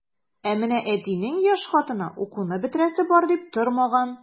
Ә менә әтинең яшь хатыны укуны бетерәсе бар дип тормаган.